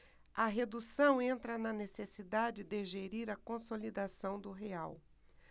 a redução entra na necessidade de gerir a consolidação do real